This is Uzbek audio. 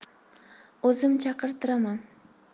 o'zim chaqirtiraman